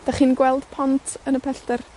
'Dach chi'n gweld pont yn y pellter?